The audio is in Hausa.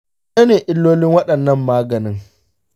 mene ne illolin wannan maganin?